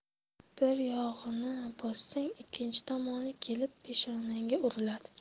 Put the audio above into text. bir yog'ini bossang ikkinchi tomoni kelib peshonangga uriladi